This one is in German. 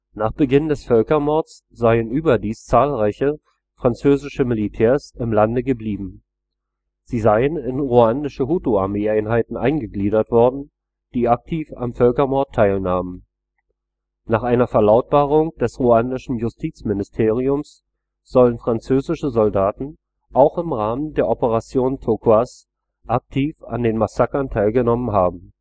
Nach Beginn des Völkermords seien überdies zahlreiche französische Militärs im Lande geblieben. Sie seien in ruandische Hutu-Armeeeinheiten eingegliedert worden, die aktiv am Völkermord teilnahmen. Nach einer Verlautbarung des ruandischen Justizministeriums sollen französische Soldaten auch im Rahmen der Opération Turquoise aktiv an den Massakern teilgenommen haben